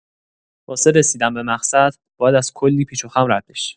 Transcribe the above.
واسه رسیدن به مقصد، باید از کلی پیچ‌وخم رد بشی.